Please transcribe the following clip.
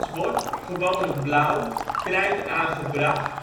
wordt (gewoonlijk blauw) krijt aangebracht